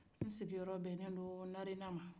in sigiyɔrɔ ben ne don narena ma